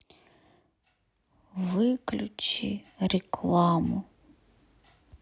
выключи рекламу